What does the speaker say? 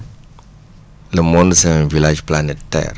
le monde c' est un village planétaire